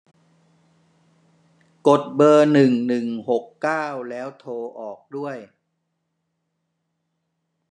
กดเบอร์หนึ่งหนึ่งหกเก้าแล้วโทรออกด้วย